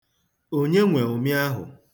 Onye nwe ụmị ahụ.